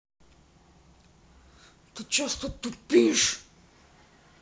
ты часто тупишь